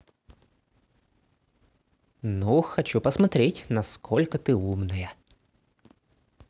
ну хочу посмотреть насколько ты умная